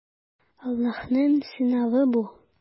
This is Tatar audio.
Аллаһның сынавы бу.